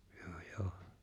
joo joo